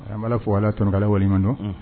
A b'a fɔ ala tkala wale kɔnɔ don